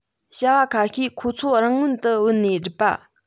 བྱ བ ཁ ཤས ཁོ ཚོ རང མངོན དུ བུད ནས སྒྲུབ པ དང